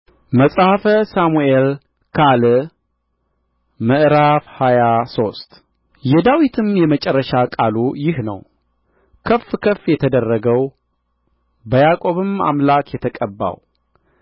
መጽሐፈ ሳሙኤል ካል ምዕራፍ ሃያ ሶስት የዳዊትም የመጨረሻ ቃሉ ይህ ነው ከፍ ከፍ የተደረገው በያዕቆብም አምላክ የተቀባው